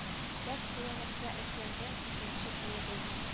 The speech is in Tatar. Бер кулы нәрсә эшләнгән икенче кулы белми